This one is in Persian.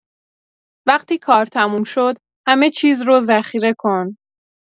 وقتی کار تموم شد همه‌چیز رو ذخیره کن